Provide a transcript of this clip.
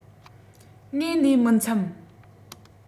དངོས ནས མི འཚམ